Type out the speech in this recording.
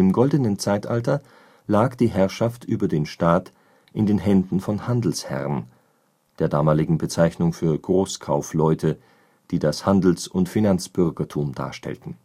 Goldenen Zeitalter lag die Herrschaft über den Staat in den Händen von Handelsherren, der damaligen Bezeichnung für Großkaufleute, die das Handels - und Finanzbürgertum darstellten